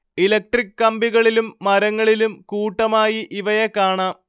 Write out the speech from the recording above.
electric കമ്പികളിലും മരങ്ങളിലും കൂട്ടമായി ഇവയെ കാണാം